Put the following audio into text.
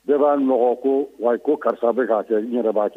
Bɛɛ b'a nɔgɔɔgɔ ko wa ko karisa a bɛ k'a cɛ i n yɛrɛ b'a cɛ